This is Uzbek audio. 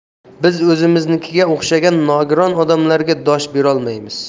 biz o'zimiznikiga o'xshagan nogiron odamlarga dosh berolmaymiz